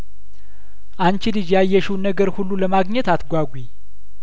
የሰርጉ አንቺ ልጅ ያየሽውን ነገር ሁሉ ለማግኘት አትጓጉ ወጥ ኩችም ተደርጐ ነው የተሰራው